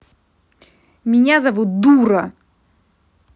меня зовут дура